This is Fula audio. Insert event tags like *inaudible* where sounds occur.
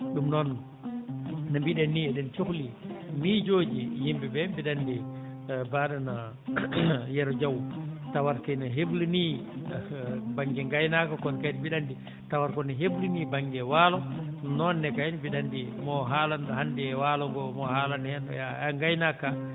ɗum noon no mbiɗen ni eɗen cohli miijooji yimɓe ɓe mbiɗa anndi *hesitation* mbaaɗo no *clears throat* Yero Diaw tawata ko n heɓlinii baŋnge ngaynaaka ko no kadi mbiɗa anndi tawata kone heɓlanii baŋnge waalo noon ne kayne mbiɗa anndi maa mo haalan en hannde waalo ngoo mo haalan en heen ngaynaaka kaa